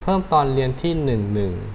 เพิ่มตอนเรียนที่หนึ่งหนึ่ง